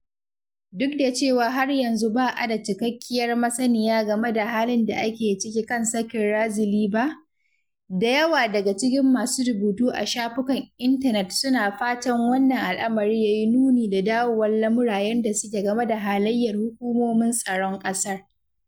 Duk da cewa har yanzu ba a da cikakkiyar masaniya game da halin da ake ciki kan sakin Razily ba, da yawa daga cikin masu rubutu a shafukan intanet suna fatan wannan al’amari yayi nuni da dawowar lamura yanda suke game da halayyar hukumomin tsaron ƙasar.